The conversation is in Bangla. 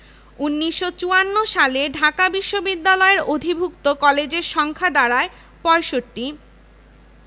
১৯৫৪ সালে ঢাকা বিশ্ববিদ্যালয়ের অধিভুক্ত কলেজের সংখ্যা দাঁড়ায় ৬৫